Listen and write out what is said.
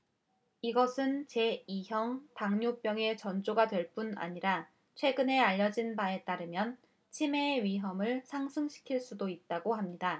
이것은 제 이 형 당뇨병의 전조가 될 뿐 아니라 최근에 알려진 바에 따르면 치매의 위험을 상승시킬 수도 있다고 합니다